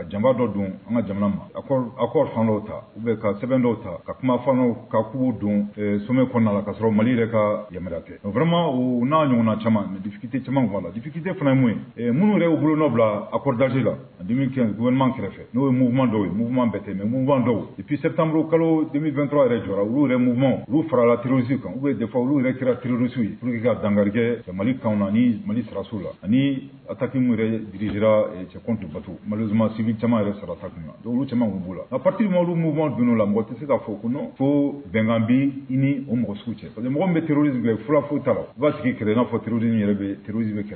Ka janba dɔ don an ka jamana ma a awrwo ta u bɛ ka sɛbɛnbɛn dɔw ta ka kuma fana o ka ku don somɛ kɔnɔna kasɔrɔ mali yɛrɛ ka yamaruya kɛ o wɛrɛma o n'a ɲɔgɔnna caman mɛkite caman'a la difikite fana ye minnu yɛrɛ bolo n'o bila aɔri date la aman kɛrɛfɛ n'o ye munuma dɔw ye mun bɛɛtɛ mɛ munugan dɔwpsɛ tanmuruuru kalo denmisɛnninmi2tɔ yɛrɛ jɔyɔrɔ olu yɛrɛuma olu farala terirurusi kan u bɛ dafa olu yɛrɛ kɛra kirirosu ye p walasaurki ka zangake ta mali kanw na ni mali sarasiw la ani ataki yɛrɛ gera cɛktu batu malima stubi caman yɛrɛ sarata tun na donlu camanma b'u a tiru minnuuma donna la mɔgɔ tɛ se k'a fɔ kɔnɔ fo bɛnkanbi i ni o mɔgɔsiw cɛ bɔn mɔgɔ bɛ teriururusi fura fo ta la u b'a sigi kɛlɛ n'a fɔ turudi in yɛrɛ bɛ turusie kɛ